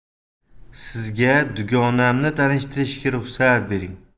sizga dugonamni tanishtirishga ruxsat bering